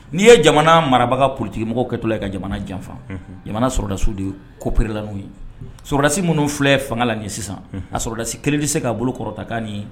N'i ye jamana marabaga ka ptigimɔgɔ kɛtɔ la ka jamana janfa jamana sɔrɔdasiw de ye koperela n'u ye sɔrɔdasi minnu filɛ fanga la ye sisan a sɔrɔdasi kelen bɛ se k'a bolo kɔrɔta' ye